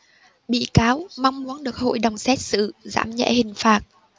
bị cáo mong muốn được hội đồng xét xử giảm nhẹ hình phạt